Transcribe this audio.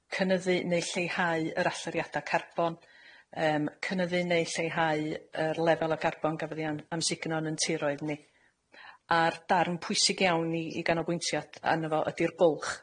cynyddu neu lleihau yr allyriada carbon, yym cynyddu neu lleihau yr lefel o garbon gafodd ei am- amsugno yn 'yn tiroedd ni, a'r darn pwysig iawn i i ganolbwyntiad arno fo ydi'r bwlch.